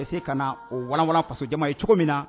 Bɛ se ka na olanwa faso jama ye cogo min na